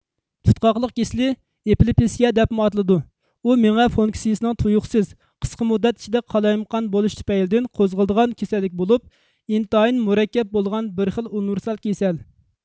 تۇتقاقلىق كېسىلى ئېپلېپسىيە دەپمۇ ئاتىلىدۇ ئۇ مېڭە فۇنكسىيىسىنىڭ تۇيۇقسىز قىسقا مۇددەت ئىچىدە قالايمىقان بولۇشى تۈپەيلىدىن قوزغىلىدىغان كېسەللىك بولۇپ ئىنتايىن مۇرەككەپ بولغان بىرخىل ئۇنىۋېرسال كېسەل